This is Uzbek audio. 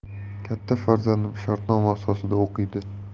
katta farzandim shartnoma asosida o'qiydi